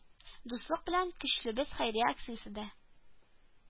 Дуслык белән көчлебез хәйрия акциясе дә